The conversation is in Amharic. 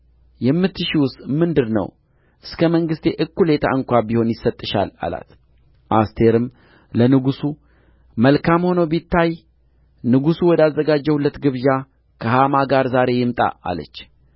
የምትሺውስ ምንድር ነው እስከ መንግሥቴ እኵሌታ እንኳ ቢሆን ይሰጥሻል አላት አስቴርም ለንጉሡ መልካም ሆኖ ቢታይ ንጉሡ ወዳዘጋጀሁለት ግብዣ ከሐማ ጋር ዛሬ ይምጣ አለች